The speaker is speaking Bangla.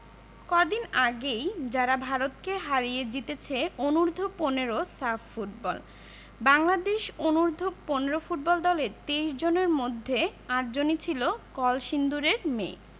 কদিন আগেই যারা ভারতকে হারিয়ে জিতেছে অনূর্ধ্ব ১৫ সাফ ফুটবল বাংলাদেশ অনূর্ধ্ব ১৫ ফুটবল দলের ২৩ জনের মধ্যে ৮ জনই ছিল কলসিন্দুরের মেয়ে